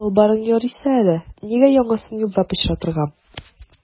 Чалбарың ярыйсы әле, нигә яңасын юлда пычратырга.